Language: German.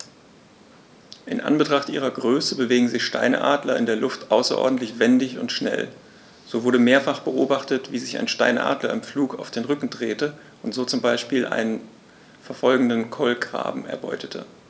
In Anbetracht ihrer Größe bewegen sich Steinadler in der Luft außerordentlich wendig und schnell, so wurde mehrfach beobachtet, wie sich ein Steinadler im Flug auf den Rücken drehte und so zum Beispiel einen verfolgenden Kolkraben erbeutete.